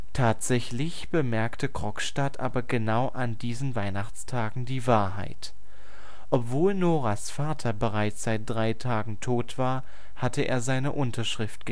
Tatsächlich bemerkt Krogstad aber genau an diesen Weihnachtstagen die Wahrheit: Obwohl Noras Vater bereits seit drei Tagen tot war, hatte er seine Unterschrift